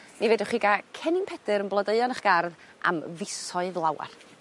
mi fedrwch chi ga' cennin Pedyr yn blodeuo ny 'ych gardd am fisoedd lawar.